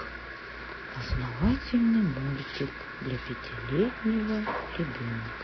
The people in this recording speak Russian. познавательный мультик для пятилетнего ребенка